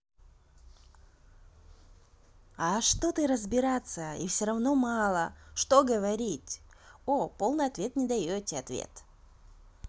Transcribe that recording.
а что ты разбираться и все равно мало что говорить о полный ответ не даете ответ